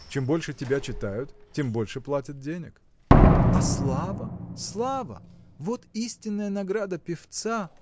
чем больше тебя читают, тем больше платят денег. – А слава, слава? вот истинная награда певца.